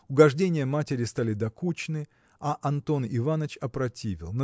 угождения матери стали докучны, а Антон Иваныч опротивел